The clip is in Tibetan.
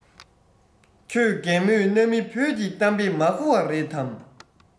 ཁྱོད རྒན མོས གནའ མི བོད ཀྱི གཏམ དཔེ མ གོ བ རེད དམ